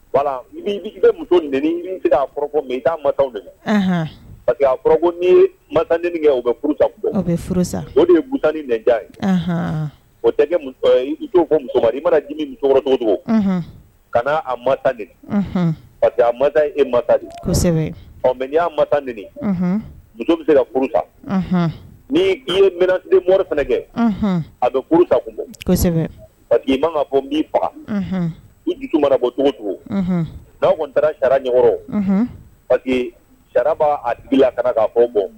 Wa i bɛ muso n a i t'a ma minɛ pa que a ma neni kɛ o bɛ furu furu sa o de ye buta ni n ye o dɛ mana dimi cogocogo ka a mata ni pa a ma e mata kosɛbɛ mɛ n'a mata n muso bɛ se ka furusa ni ii ye minɛn denmo fana kɛ a bɛ furusa kun bɔ kosɛbɛ pa que i ma ma ko n b'i fatu mana bɔ cogocogo n'a tun taara jara ɲkɔrɔ pa que jara b' a la ka' fɔ bɔ